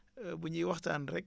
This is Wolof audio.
bu ñuy waxtaan rek